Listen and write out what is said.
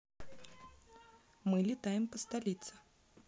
мы летаем по столице